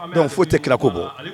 Dɔnku fo tɛ kira ko bɔ